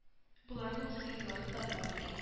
Боларның сыерлары да бар икән